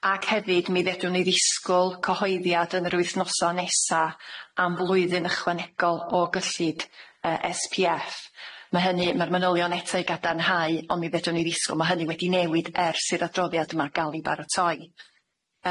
Ag hefyd mi fedewn ni ddisgwl cyhoeddiad yn yr wythnosa nesa am flwyddyn ychwanegol o gyllid yy Es Pee Eff ma' hynny ma'r manylion eto i gadarnhau on' mi fedrwn ni ddisgwl ma' hynny wedi newid ers i'r adroddiad yma ga'l 'i baratoi.